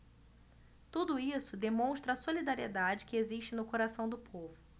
tudo isso demonstra a solidariedade que existe no coração do povo